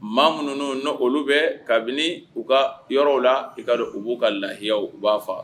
Maa minnu' olu bɛ kabini u ka yɔrɔw la i ka don u b'u ka layiyaw u b'a faa